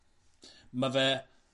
ma' fe